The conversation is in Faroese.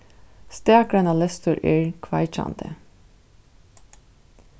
stakgreinalestur er kveikjandi